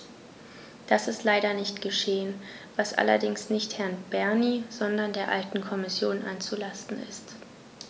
Das ist leider nicht geschehen, was allerdings nicht Herrn Bernie, sondern der alten Kommission anzulasten ist.